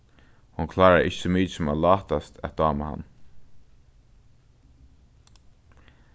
hon klárar ikki so mikið sum at látast at dáma hann